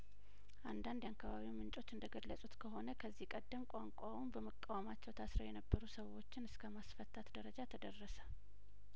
አንዳንድ የንአካባቢው ምንጮች እንደገለጹት ከሆነ ከዚህ ቀደም ቋንቋውን በመቃወማቸው ታስረው የነበሩ ሰዎችን እስከማስፈታት ደረጃ ተደረሰ